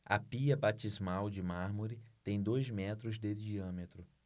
a pia batismal de mármore tem dois metros de diâmetro